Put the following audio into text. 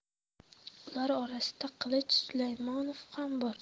ular orasida qilich sulaymonov ham bor